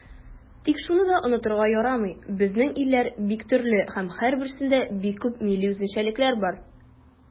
Тик шуны да онытырга ярамый, безнең илләр бик төрле һәм һәрберсендә бик күп милли үзенчәлекләр бар.